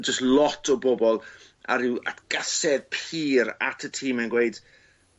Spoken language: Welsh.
jys lot o bobol a ryw atgasedd pur at y tîm yn gweud